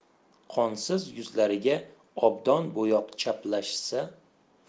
qonsiz yuzlariga obdon bo'yoq chaplashsa